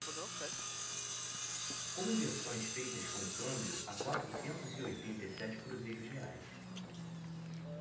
conversões feitas com câmbio a quatrocentos e oitenta e sete cruzeiros reais